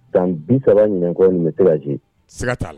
Donc 30 ɲina kɔ nin bɛ se ka jouer siga t'a la.